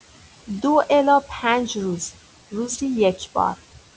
۲ الی ۵ روز، روزی یک‌بار